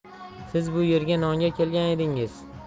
siz bu yerga nonga kelgan edingiz